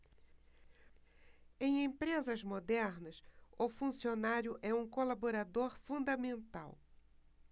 em empresas modernas o funcionário é um colaborador fundamental